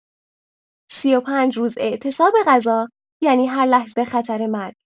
۳۵ روز اعتصاب غذا یعنی هر لحظه خطر مرگ!